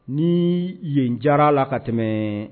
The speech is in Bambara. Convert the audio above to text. Ni yen diyara la ka tɛmɛ